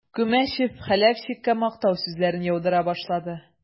Күмәчев Хәләфчиккә мактау сүзләре яудыра башлады.